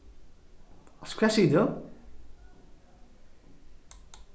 altso hvat sigur tú